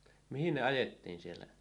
mihin ne ajettiin siellä